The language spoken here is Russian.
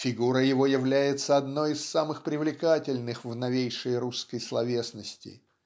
фигура его является одной из самых привлекательных в новейшей русской словесности.